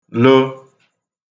lo